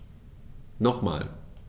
Nochmal.